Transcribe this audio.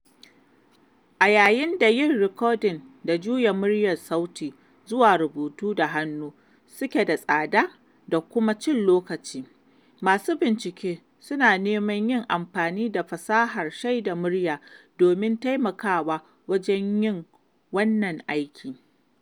A yayin da yin rikodin da juya sauti zuwa rubutu da hannu suke da tsada da kuma cin lokaci, masu bincike suna neman yin amfani da fasahar shaida murya domin taima kawa wajen yin wannan aikin.